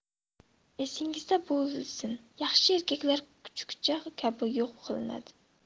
esingizda bo'lsin yaxshi erkaklar kuchukcha kabi yo'q qilinadi